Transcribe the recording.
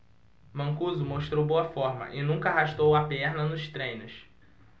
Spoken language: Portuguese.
mancuso mostrou boa forma e nunca arrastou a perna nos treinos